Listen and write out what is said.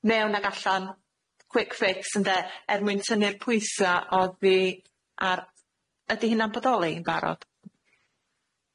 Mewn ag allan, quick fix ynde Er mwyn tynnu'r pwysa' oddi ar - ydi hynna'n bodoli yn barod?